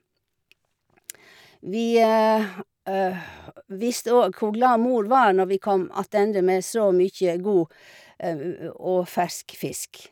Vi visste òg hvor glad mor var når vi kom attende med så mye god ev ue og fersk fisk.